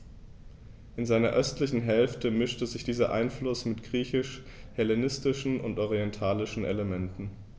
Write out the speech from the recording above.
In seiner östlichen Hälfte mischte sich dieser Einfluss mit griechisch-hellenistischen und orientalischen Elementen.